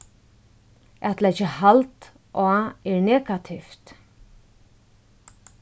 at leggja hald á er negativt